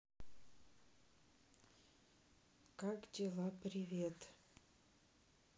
как дела привет